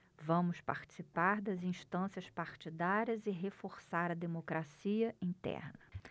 vamos participar das instâncias partidárias e reforçar a democracia interna